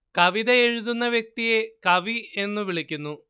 കവിത എഴുതുന്ന വ്യക്തിയെ കവി എന്നു വിളിക്കുന്നു